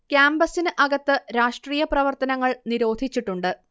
ക്യാമ്പസിന് അകത്ത് രാഷ്ട്രീയ പ്രവർത്തനങ്ങൾ നിരോധിച്ചിട്ടുണ്ട്